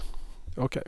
OK.